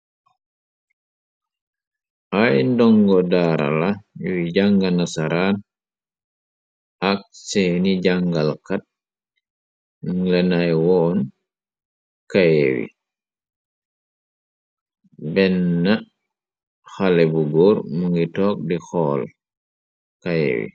Aay ndongo daara la, yuy jànga nasaraan ak seeni jàngalkat ñun lanay woon kayé wi, benn xalé bu góor mu ngi toog di xool kayé wi.